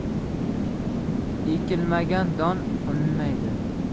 ekilmagan don unmaydi